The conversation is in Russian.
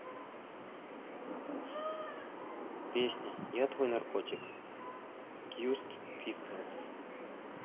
песня я твой наркотик quest pistols